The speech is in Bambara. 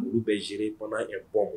Olu bɛ gérés pendant un bon moment